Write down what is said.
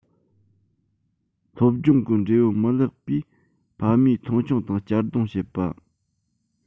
སློབ སྦྱོང གི འབྲས བུ མི ལེགས པས ཕ མས མཐོང ཆུང དང གཅར རྡུང བྱེད པ